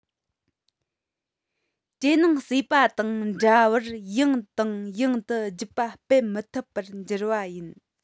བྲེས ནང གསོས པ དང འདྲ བར ཡང དང ཡང དུ རྒྱུད པ སྤེལ མི ཐུབ པར འགྱུར བ ཡིན